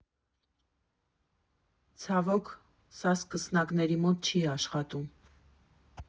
Ցավոք, սա սկսնակների մոտ չի աշխատում։